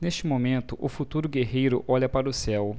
neste momento o futuro guerreiro olha para o céu